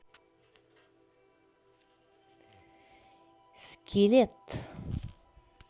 skillet